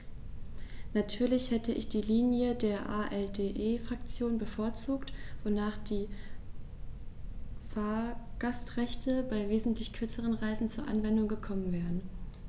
Natürlich hätte ich die Linie der ALDE-Fraktion bevorzugt, wonach die Fahrgastrechte bei wesentlich kürzeren Reisen zur Anwendung gekommen wären.